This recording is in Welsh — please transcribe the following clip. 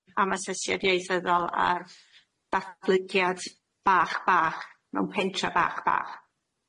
Am asesiad ieithyddol ar ddatblygiad bach bach mewn pentra bach bach?